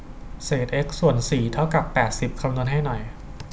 เศษเอ็กซ์ส่วนสี่เท่ากับแปดสิบคำนวณให้หน่อย